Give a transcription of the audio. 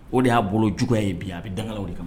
O de y'a bolo juguya ye bi, a bɛ dangana o de kama.